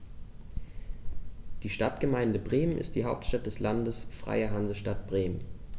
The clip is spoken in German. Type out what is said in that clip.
Die Stadtgemeinde Bremen ist die Hauptstadt des Landes Freie Hansestadt Bremen.